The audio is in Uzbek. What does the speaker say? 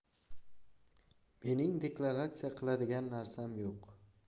mening deklaratsiya qiladigan narsam yo'q